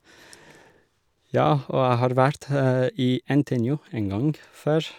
Ja, og jeg har vært i NTNU en gang før.